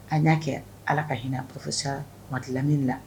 An y'a kɛ allah ka hinɛ professeur Mahamadu Lamini na.